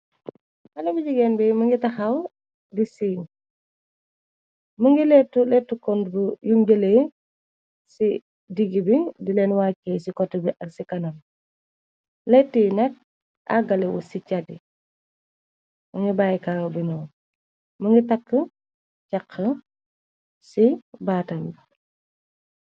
Xala bi jigéen bi më ngi taxaw bi siin më ngi lettu kon yu ngële ci digg bi dileen wakkee ci kot bi ak ci kanam letti nak aggalewu ci caddi mu ngi bàyykang binoo më ngi tak caq ci baatam bi.